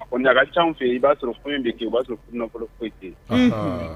O ca fɛ yen i b'a sɔrɔ foyi in bɛ yen o b'a sɔrɔfɔ foyi ten